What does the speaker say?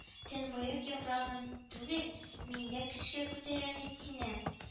Төнбоек яфрагы түгел, мин дә көчкә күтәрәм бит сине